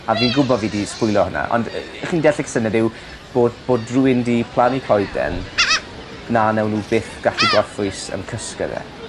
A fi'n gwbod fi 'di sbwylio hwnna ond yy chi'n deall y cysyniad yw bod bod rywun 'di plannu coeden na newn nw byth gallu gorffwys yn cysgod e.